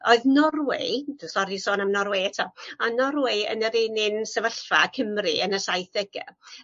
Oedd Norway d- sori sôn am Norway eto o'dd Norway yn yr un un sefyllfa â Cimri yn y saith dege